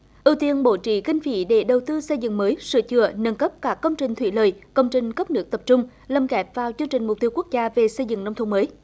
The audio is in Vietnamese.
ưu tiên bố trí kinh phí để đầu tư xây dựng mới sửa chữa nâng cấp các công trình thủy lợi công trình cấp nước tập trung lồng ghép vào chương trình mục tiêu quốc gia về xây dựng nông thôn mới